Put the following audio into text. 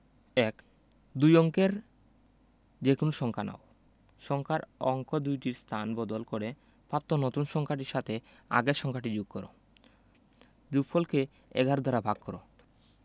১ দুই অঙ্কের যেকোনো সংখ্যা নাও সংখ্যার অঙ্ক দুইটির স্থান বদল করে প্রাপ্ত নতুন সংখ্যাটির সাথে আগের সংখ্যাটি যোগ কর যোগফল কে ১১ দ্বারা ভাগ কর